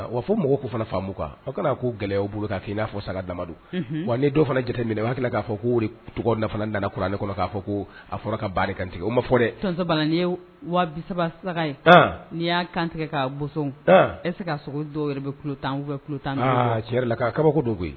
Wa fɔ mɔgɔw' fana famu kan kɛlen ko gɛlɛya bolo k' ii n'a fɔ saga dama wa ni dɔw fana jateminɛ b'a tila k'a fɔ ko tɔgɔ nafa danana kuran ne kɔnɔ k'a fɔ ko a fɔra ka kantigɛ o ma fɔ dɛsa ye wasa saga ye n'i y'a kantigɛ ka bon e se ka sogo dɔw yɛrɛ bɛ tan bɛ tan tiɲɛ yɛrɛ la' kabako don koyi yen